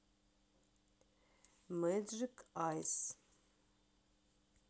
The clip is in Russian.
меджик айз